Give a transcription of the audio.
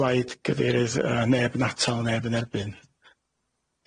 blaid cadeirydd neb yn atal neb yn erbyn.